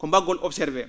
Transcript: ko mba?gol observé ;fra